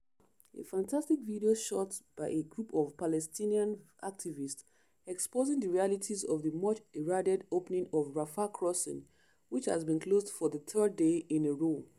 A fantastic video shot by a group of Palestinian activists exposing the realities of the much heralded opening of Rafah Crossing, which has been closed for the third day in a row.